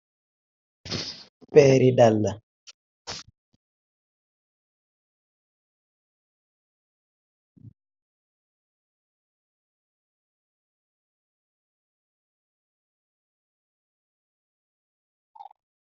Pèeri daala.